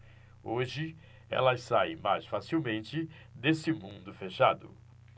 hoje elas saem mais facilmente desse mundo fechado